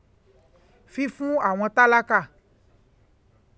Fífún àwọn tálákà.